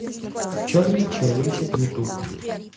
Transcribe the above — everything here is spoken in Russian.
черный человечек ютуб